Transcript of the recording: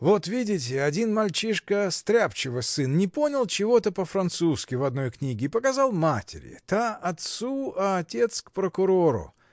— Вот видите: один мальчишка, стряпчего сын, не понял чего-то по-французски в одной книге и показал матери, та отцу, а отец к прокурору.